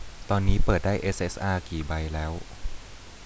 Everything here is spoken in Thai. ตอนนี้เปิดได้เอสเอสอากี่ใบแล้ว